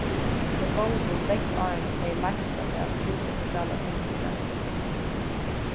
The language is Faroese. sum longu langt áðrenn tey meistra tað trupla sosiala kynstrið